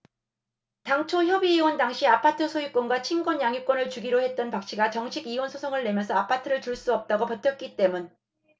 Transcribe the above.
당초 협의이혼 당시 아파트 소유권과 친권 양육권을 주기로 했던 박씨가 정식 이혼 소송을 내면서 아파트를 줄 수 없다고 버텼기 때문